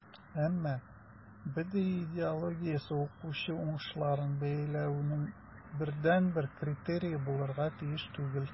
Әмма БДИ идеологиясе укучы уңышларын бәяләүнең бердәнбер критерие булырга тиеш түгел.